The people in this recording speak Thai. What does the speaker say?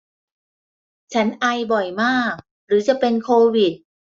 ฉันไอบ่อยมากหรือจะเป็นโควิด